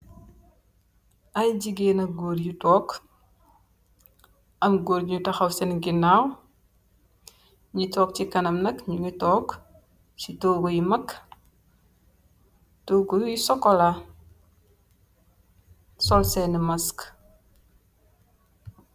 Aye jigeen ak goor yu tok am goor yu takhaw sen ganaw nyu tok si kanam nak nyungi tok si toguh yu mak toguhyu chocola sul sen mask